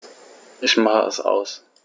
Ich mache es aus.